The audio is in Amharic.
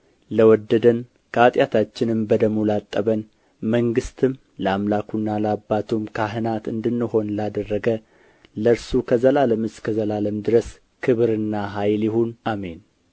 ለወደደን ከኃጢአታችንም በደሙ ላጠበን መንግሥትም ለአምላኩና ለአባቱም ካህናት እንድንሆን ላደረገ ለእርሱ ከዘላለም እስከ ዘላለም ድረስ ክብርና ኃይል ይሁን አሜን